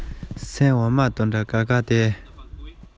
དྲིས ལན རིམ གྱིས རྙེད སོང